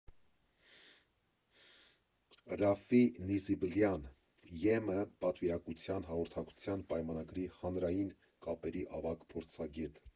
Րաֆֆի Նիզիբլյան, ԵՄ պատվիրակության Հաղորդակցության պայմանագրի հանրային կապերի ավագ փորձագետ։